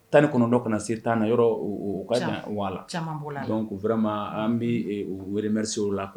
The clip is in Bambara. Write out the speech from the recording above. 19 kana se 10 na yɔrɔ o o o ka jan can voilà caman bɔla la donc vraiment an b'i e u rémercier o la